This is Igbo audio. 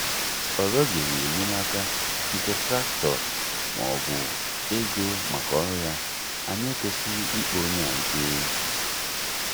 Ọ rịọbeghị enyemaka nke traktọ ma ọ bụ ego maka ọrụ ya. Anyị ekwesịghị ikpe onye a ikpe.